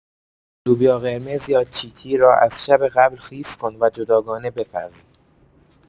لوبیا قرمز یا چیتی را از شب قبل خیس کن و جداگانه بپز.